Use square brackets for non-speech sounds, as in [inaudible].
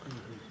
[hesitation] [hesitation]